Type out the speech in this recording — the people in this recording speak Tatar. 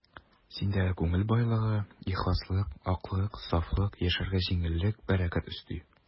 Синдәге күңел байлыгы, ихласлык, аклык, сафлык яшәргә җиңеллек, бәрәкәт өсти.